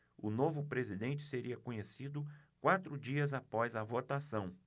o novo presidente seria conhecido quatro dias após a votação